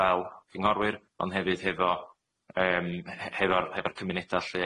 fel cynghorwyr ond hefyd hefo yym he- hefo'r hefo'r cymuneda' 'lly